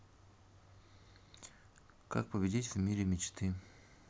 как победить в мире мечты